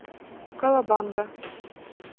колобанга